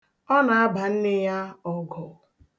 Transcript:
Ọ na-aba nne ya ọgụ.